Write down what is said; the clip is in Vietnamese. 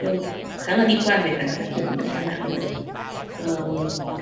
tôi khá là bi quan về khả năng phát triển của những trang mạng như vậy ờ